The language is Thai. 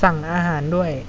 สั่งอาหารด้วย